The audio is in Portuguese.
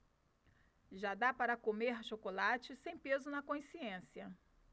já dá para comer chocolate sem peso na consciência